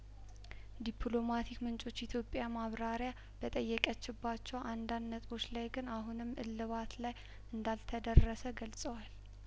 ዲፕሎማቲክ ምንጮች ኢትዮጵያ ማብራሪያ በጠየቀችባቸው አንዳንድ ነጥቦች ላይ ግን አሁንም እልባት ላይ እንዳልተደረሰ ገለጸዋል